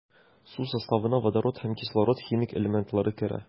Су составына водород һәм кислород химик элементлары керә.